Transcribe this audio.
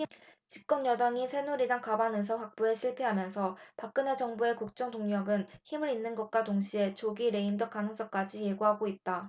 집권여당인 새누리당이 과반의석 확보에 실패하면서 박근혜 정부의 국정 동력은 힘을 잃는 것과 동시에 조기 레임덕 가능성까지 예고하고 있다